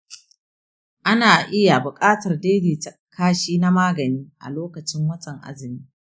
ana iya buƙatar daidaita kashi na magani a lokacin watan azumi.